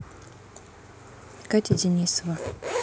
катя денисова